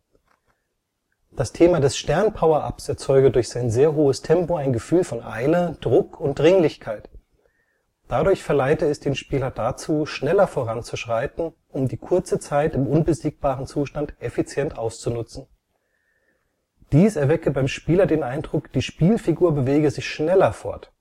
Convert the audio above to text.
Das Thema des Stern-Power-ups erzeuge durch sein sehr hohes Tempo ein Gefühl von Eile, Druck und Dringlichkeit. Dadurch verleite es den Spieler dazu, schneller voranzuschreiten, um die kurze Zeit im unbesiegbaren Zustand effizient auszunutzen. Dies erwecke beim Spieler den Eindruck, die Spielfigur bewege sich schneller fort